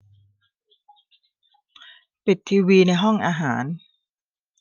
ปิดทีวีในห้องอาหาร